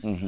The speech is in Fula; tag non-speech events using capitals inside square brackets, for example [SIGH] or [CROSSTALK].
[HESITATION] [HESITATION]